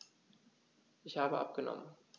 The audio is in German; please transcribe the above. Ich habe abgenommen.